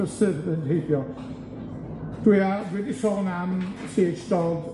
prysur fynd heibio, dwi a- dwi 'di sôn am See Haitch Dodd